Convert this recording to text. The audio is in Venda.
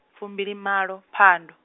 fumbilimalo phando.